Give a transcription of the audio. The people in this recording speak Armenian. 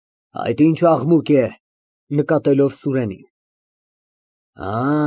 Այդ ի՞նչ աղմուկ է։ (Նկատելով Սուրենին)։